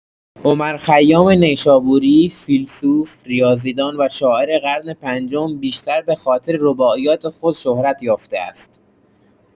عمر خیام نیشابوری، فیلسوف، ریاضی‌دان و شاعر قرن پنجم، بیشتر به‌خاطر رباعیات خود شهرت یافته است.